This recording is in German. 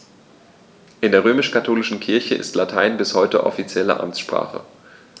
In der römisch-katholischen Kirche ist Latein bis heute offizielle Amtssprache.